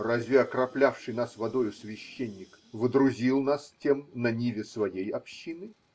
Разве окроплявший нас водою священник водрузил нас тем на ниве своей общины?